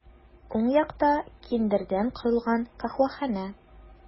Уң якта киндердән корылган каһвәханә.